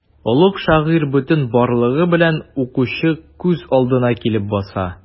Олуг шагыйрь бөтен барлыгы белән укучы күз алдына килеп баса.